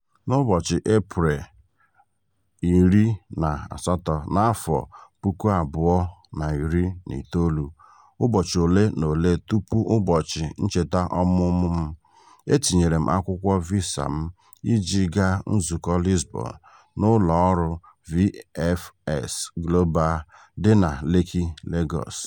N'ụbọchị Eprel 18 n'afọ 2019, ụbọchị ole na ole tụpụ ụbọchị ncheta ọmụmụ m, etinyere m akwụkwọ visa m iji gaa nzukọ Lisbon n'ụlọọrụ VFS Global dị na Lekki, Lagos.